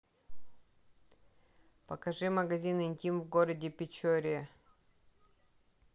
покажи магазин интим в городе печоре